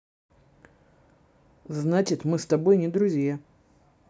значит мы с тобой не друзья